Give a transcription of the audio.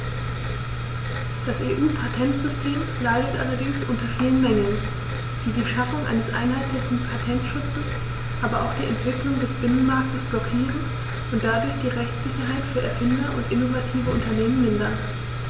Das EU-Patentsystem leidet allerdings unter vielen Mängeln, die die Schaffung eines einheitlichen Patentschutzes, aber auch die Entwicklung des Binnenmarktes blockieren und dadurch die Rechtssicherheit für Erfinder und innovative Unternehmen mindern.